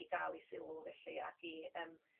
i ga'l 'u sylw felly ac i yym